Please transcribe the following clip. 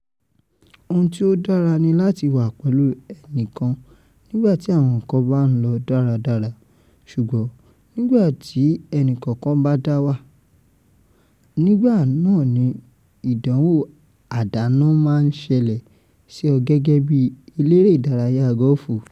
Ohun tí ó dára ni láti wà pẹ̀lú enìkan nígbàtí àwọn n[kan bá ńlọ dáradára, ṣùgbọ́n, nígbàtí o ẹ̀nìkọ̀ọ̀kan bá dá wà, nigbànáa ní ìdánwò àdánán máa ṣẹ̀lẹ̀ sí ọ̀ gẹ́gẹ́bí eléré ìdárayá gọ́ọ̀fù.